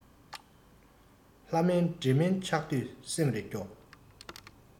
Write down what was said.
ལྷ མིན འདྲེ མིན ཆགས དུས སེམས རེ སྐྱོ